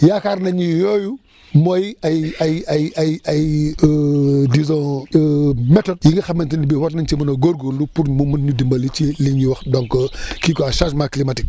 yaakaar nañ ni yooyu mooy ay ay ay ay ay ay disons méthodes yi nga xamante ni bii war nañ ci mën a góorgóorlu pour mu mun ñu dimbali ci lii ñuy wax donc kii quoi changement climatique